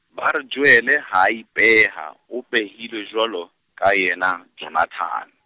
ba re Joele ha ipeha, o behilwe jwalo, ka yena, Jonathane.